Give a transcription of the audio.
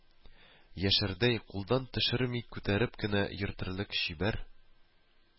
Яшәрдәй, кулдан төшерми күтәреп кенә йөртерлек чибәр